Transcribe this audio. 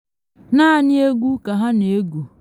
“Naanị egwu ka ha na egu.